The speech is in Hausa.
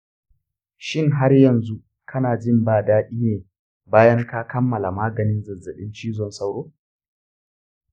shin har yanzu kana jin ba daɗi ne bayan ka kammala maganin zazzabin cizon sauro?